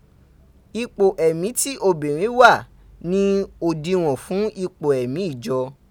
Ipo emi ti obinrin wa ni odinwon fun ipo emi ijo.